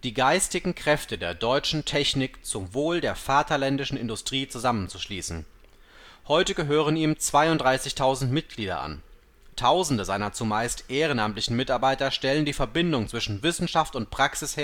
geistigen Kräfte der deutschen Technik zum Wohl der vaterländischen Industrie zusammenzuschließen. Heute gehören ihm 32.000 Mitglieder an. Tausende seiner zumeist ehrenamtlichen Mitarbeiter stellen die Verbindung zwischen Wissenschaft und Praxis